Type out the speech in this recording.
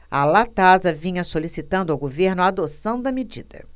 a latasa vinha solicitando ao governo a adoção da medida